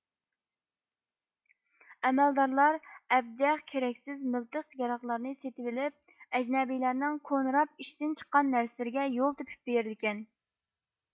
ئەمەلدارلار ئەبجەخ كېرەكسىز مىلتىق ياراغلارنى سېتىۋېلىپ ئەجنەبىيلەرنىڭ كونىراپ ئىشتىن چىققان نەرسىلىرىگە يول تېپىپ بېرىدىكەن